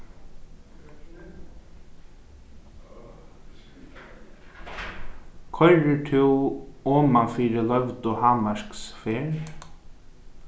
koyrir tú oman fyri loyvdu hámarksferð